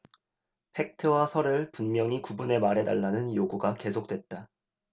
팩트와 설을 분명히 구분해 말해 달라는 요구가 계속됐다